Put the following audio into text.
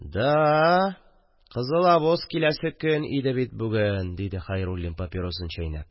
– да-а, кызыл обоз киләсе көн иде бит бүген, – диде хәйруллин папиросын чәйнәп,